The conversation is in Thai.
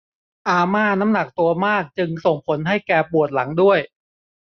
อาม่าน้ำหนักตัวมากจึงส่งผลให้แกปวดหลังด้วย